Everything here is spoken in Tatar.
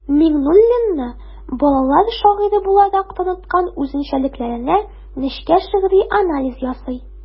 Миңнуллинны балалар шагыйре буларак таныткан үзенчәлекләренә нечкә шигъри анализ ясый.